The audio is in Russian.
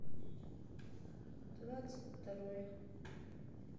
двадцать второй